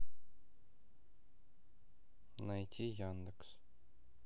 найти яндекс